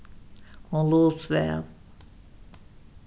hon lá og svav